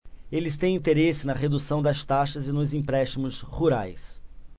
eles têm interesse na redução das taxas nos empréstimos rurais